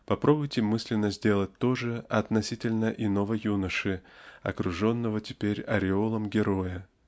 Попробуйте мысленно сделать то же относительно иного юноши окруженного теперь ореолом героя